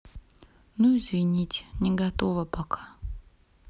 ну извините не готова пока